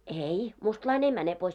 ei mustalainen ei mene pois